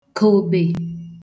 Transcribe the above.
kòbè